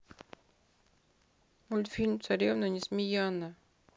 мультфильм царевна несмеяна